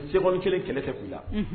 Sekooni kelen kɛlɛ tɛ'u la